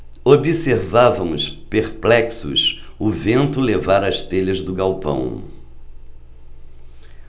observávamos perplexos o vento levar as telhas do galpão